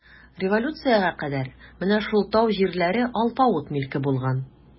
Революциягә кадәр менә шул тау җирләре алпавыт милке булган.